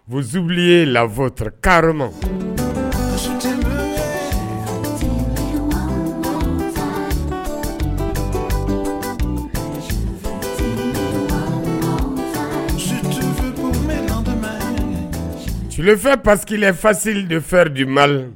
Bonzb ye lafɔt kari ma suurfɛ paski fasi de fɛ di ma